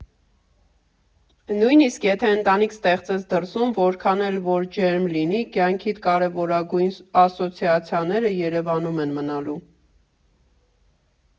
Նույնիսկ եթե ընտանիք ստեղծես դրսում, որքան էլ որ ջերմ լինի, կյանքիդ կարևորագույն ասոցիացիաները Երևանում են մնալու։